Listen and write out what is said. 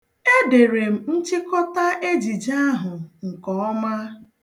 E dere m nchịkọta ejije ahụ nkeọma.